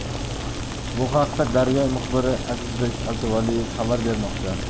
bu haqda daryo muxbiri azizbek abduvaliyev xabar bermoqda